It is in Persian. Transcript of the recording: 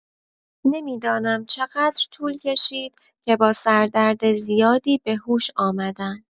نمی‌دانم چقدر طول کشید که با سردرد زیاد به هوش آمدم.